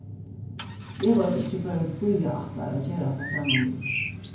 eg veit ikki hvørjum fía ætlar at gera hatta saman við